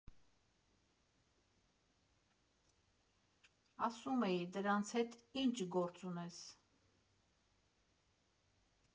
«ասում էի՝ դրանց հետ ի՜նչ գործ ունես»